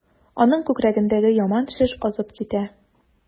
Аның күкрәгендәге яман шеш азып китә.